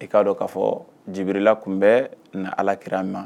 I k'a dɔn ka fɔ Jibirila tun bɛ na Alakira ma.